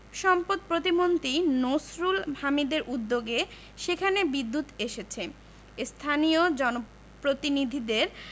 সম্পদ প্রতিমন্ত্রী নসরুল হামিদদের উদ্যোগে সেখানে বিদ্যুৎ এসেছে স্থানীয় জনপ্রতিনিধিদের